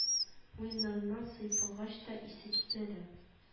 Муеннарыннан сыйпагач та исе китмәде